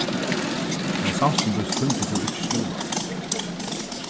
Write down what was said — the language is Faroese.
men samstundis tímdi tú ikki skúlan